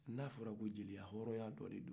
n'a fɔra ko jeliya hɔɔrɔnya dɔ de don